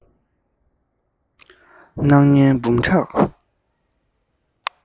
སྣང བརྙན འབུམ ཕྲག